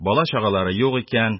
Бала-чагалары юк икән,